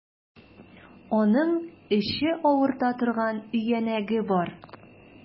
Аның эче авырта торган өянәге бар.